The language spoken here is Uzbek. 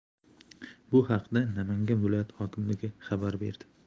bu haqda namangan viloyati hokimligi xabar berdi